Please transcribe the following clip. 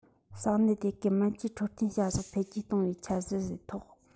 ས གནས དེ གའི སྨན བཅོས འཕྲོད བསྟེན བྱ བཞག འཕེལ རྒྱས གཏོང བའི འཆར གཞི བཟོས ཐོག